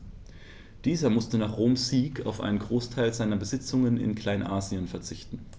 Dieser musste nach Roms Sieg auf einen Großteil seiner Besitzungen in Kleinasien verzichten.